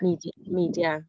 Medi- Media.